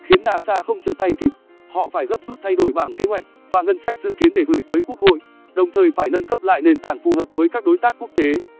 họ phải gấp rút thay đổi bảng kế hoạch và ngân sách dự kiến để gửi tới quốc hội đồng thời phải nâng cấp lại nền tảng phù hợp với các đối tác quốc tế